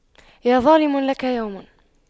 يا ظالم لك يوم